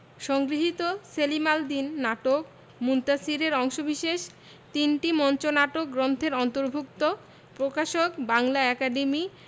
সংগৃহীত সেলিম আল দীন নাটক মুনতাসীর এর অংশবিশেষ তিনটি মঞ্চনাটক গ্রন্থের অন্তর্ভুক্ত প্রকাশকঃ বাংলা একাডেমী